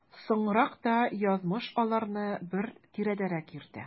Соңрак та язмыш аларны бер тирәдәрәк йөртә.